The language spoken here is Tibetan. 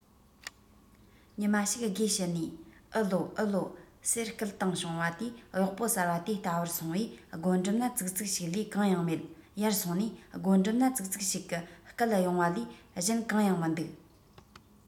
ཉི མ ཞིག སྒོའི ཕྱི ནས ཨུ ལའོ ཨུ ལའོ ཟེར སྐད བཏང བྱུང བ དེར གཡོག པོ གསར པ དེས ལྟ བར སོང བས སྒོ འགྲམ ན ཙི ཙི ཞིག ལས གང ཡང མེད ཡར སོང ནས སྒོ འགྲམ ན ཙི ཙི ཞིག གིས སྐད གཡོང བ ལས གཞན གང ཡང མི འདུག